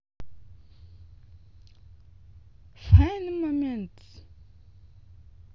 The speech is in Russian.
funny moments